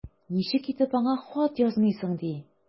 Ничек итеп аңа хат язмыйсың ди!